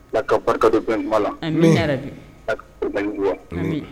N ka barika dɔ bɛ kuma layɔ